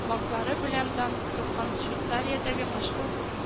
Банклары белән дан тоткан Швейцариядәге мәшһүр